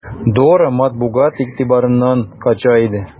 Дора матбугат игътибарыннан кача иде.